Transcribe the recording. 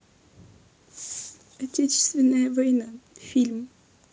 отечественная война фильм